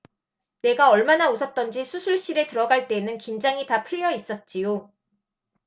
내가 얼마나 웃었던지 수술실에 들어갈 때에는 긴장이 다 풀려 있었지요